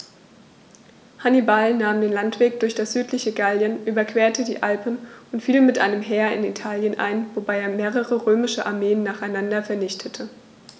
Hannibal nahm den Landweg durch das südliche Gallien, überquerte die Alpen und fiel mit einem Heer in Italien ein, wobei er mehrere römische Armeen nacheinander vernichtete.